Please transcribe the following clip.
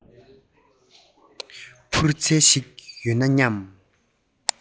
འཕུར རྩལ ཞིག ཡོད ན སྙམ